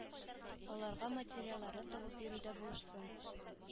Аларга материалларны табып бирүдә булышсын